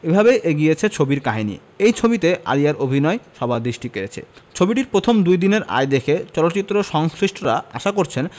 এভাবেই এগিয়েছে ছবির কাহিনী এই ছবিতে আলিয়ার অভিনয় সবার দৃষ্টি কেড়েছে ছবিটার প্রথম দুইদিনের আয় দেখে চলচ্চিত্র সংশ্লিষ্টরা আশা করছেন